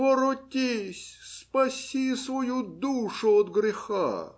Воротись, спаси свою душу от греха.